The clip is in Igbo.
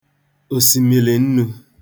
òsìmìlì nnū